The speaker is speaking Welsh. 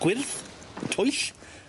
Gwyrth? Twyll?